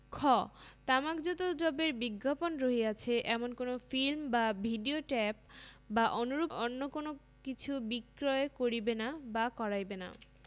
খ তামাকজাত দ্রব্যের বিজ্ঞাপন রহিয়অছে এমন কোন ফিল্ম বা ভিড়িও টিপ বা অনুরূপ অন্য কিছু বিক্রয় করিবে না বা করাইবে না